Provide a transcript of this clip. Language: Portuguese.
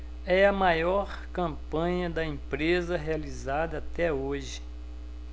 é a maior campanha da empresa realizada até hoje